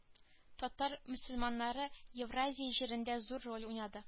Татар мөселманнары евразия җирендә зур роль уйнады